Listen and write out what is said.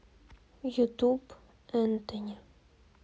ютуб энтони